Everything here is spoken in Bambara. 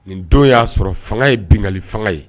Nin don y'a sɔrɔ faŋa ye biŋali faŋa ye